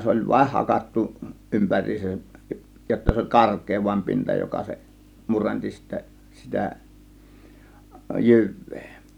se oli vain hakattu ympäriinsä jotta se oli karkea vain pinta joka se murensi sitten sitä jyvää